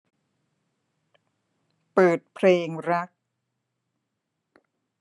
เปิดเพลงรัก